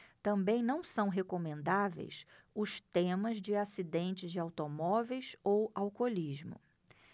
também não são recomendáveis os temas de acidentes de automóveis ou alcoolismo